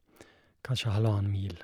Kanskje halvannen mil.